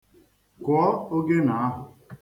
Kụọ ogene ahụ.